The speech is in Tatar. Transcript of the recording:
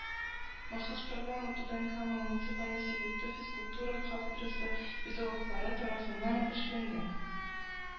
Махсус программа Түбән Кама муниципаль институты физкультура кафедрасы педагоглары тарафыннан эшләнгән